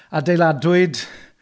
adeiladwyd...